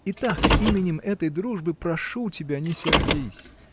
Итак, именем этой дружбы, прошу тебя, не сердись.